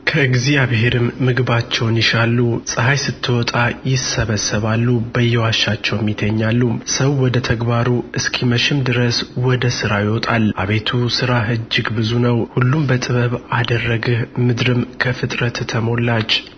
ከእግዚአብሔርም ምግባቸውን ይሻሉ ፀሐይ ስትወጣ ይሰበሰባሉ በየዋሻቸውም ይተኛሉ ሰው ወደ ተግባሩ እስኪመሽም ድረስ ወደ ሥራው ይወጣል አቤቱ ሥራህ እጅግ ብዙ ነው ሁሉን በጥበብ አደረግህ ምድርም ከፍጥረትህ ተሞላች